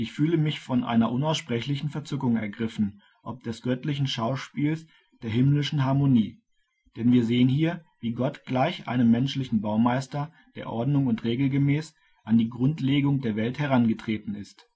fühle mich von einer unaussprechlichen Verzückung ergriffen ob des göttlichen Schauspiels der himmlischen Harmonie. Denn wir sehen hier, wie Gott gleich einem menschlichen Baumeister, der Ordnung und Regel gemäß, an die Grundlegung der Welt herangetreten ist